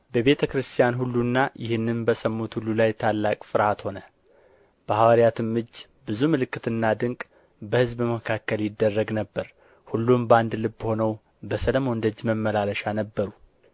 በቤተ ክርስቲያን ሁሉና ይህንም በሰሙ ሁሉ ላይ ታላቅ ፍርሃት ሆነ በሐዋርያትም እጅ ብዙ ምልክትና ድንቅ በሕዝብ መካከል ይደረግ ነበር ሁሉም በአንድ ልብ ሆነው በሰሎሞን ደጅ መመላለሻ ነበሩ